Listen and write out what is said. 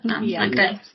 ...na mae'n grêt.